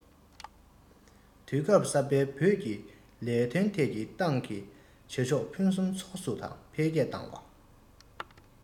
དུས སྐབས གསར པའི བོད ཀྱི ལས དོན ཐད ཀྱི ཏང གི བྱེད ཕྱོགས ཕུན སུམ ཚོགས སུ དང འཕེལ རྒྱས བཏང བ